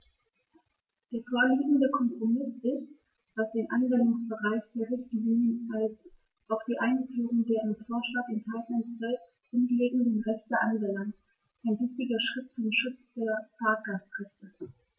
Der vorliegende Kompromiss ist, was den Anwendungsbereich der Richtlinie als auch die Einführung der im Vorschlag enthaltenen 12 grundlegenden Rechte anbelangt, ein wichtiger Schritt zum Schutz der Fahrgastrechte.